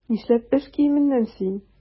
Нишләп эш киеменнән син?